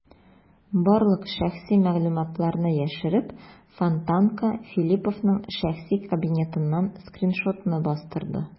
Барлык шәхси мәгълүматларны яшереп, "Фонтанка" Филипповның шәхси кабинетыннан скриншотны бастырды.